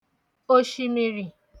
òshìmìrì